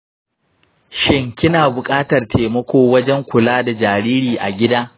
shin kina bukatar taimako wajen kula da jariri a gida?